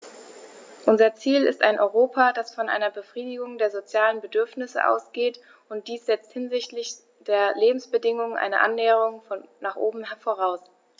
Unser Ziel ist ein Europa, das von einer Befriedigung der sozialen Bedürfnisse ausgeht, und dies setzt hinsichtlich der Lebensbedingungen eine Annäherung nach oben voraus.